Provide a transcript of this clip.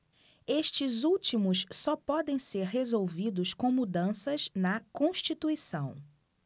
estes últimos só podem ser resolvidos com mudanças na constituição